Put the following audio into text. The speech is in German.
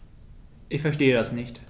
Ich verstehe das nicht.